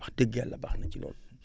wax dëgg yàlla baax na ci lool